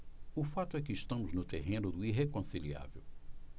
o fato é que estamos no terreno do irreconciliável